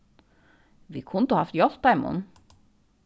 vit kundu havt hjálpt teimum